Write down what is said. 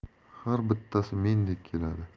har bittasi mendek keladi